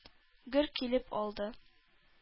Гөр килеп алды.